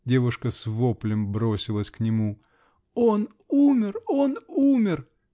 Девушка с воплем бросилась к нему. -- Он умер, он умер!